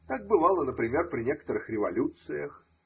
Так бывало, например, при некоторых революциях.